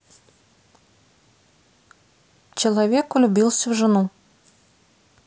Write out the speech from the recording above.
человек влюбился в жену